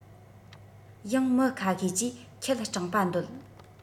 ཡང མི ཁ ཤས ཀྱིས ཁྱེད སྤྲིངས པ འདོད